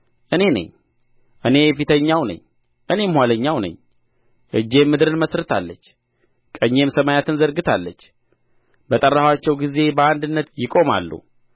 እኔ ነኝ እኔ ፊተኛው ነኝ እኔም ኋለኛው ነኝ እጄም ምድርን መሥርታለች ቀኜም ሰማያትን ዘርግታለች በጠራኋቸው ጊዜ በአንድነት ይቆማሉ